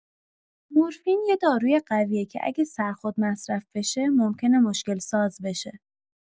مرفین یه داروی قویه که اگه سر خود مصرف بشه، ممکنه مشکل‌ساز بشه.